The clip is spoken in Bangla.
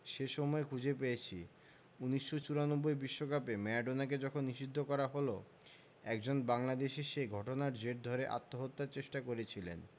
সে সময় খুঁজে পেয়েছি ১৯৯৪ বিশ্বকাপে ম্যারাডোনাকে যখন নিষিদ্ধ করা হলো একজন বাংলাদেশি সে ঘটনার জের ধরে আত্মহত্যার চেষ্টা করেছিলেন